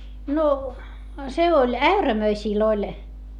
no se oli äyrämöisillä oli